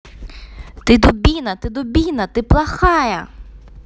ты дубина ты дубина ты плохая